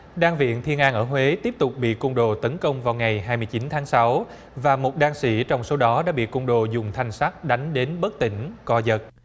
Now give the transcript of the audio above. đang viện thiên an ở huế tiếp tục bị côn đồ tấn công vào ngày hai chín tháng sáu và một đang sĩ trong số đó đã bị côn đồ dùng thanh sắt đánh đến bất tỉnh co giật